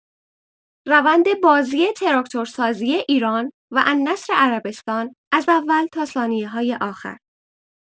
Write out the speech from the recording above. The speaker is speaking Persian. روند بازی تراکتورسازی ایران و النصر عربستان از اول تا ثانیه‌های آخر.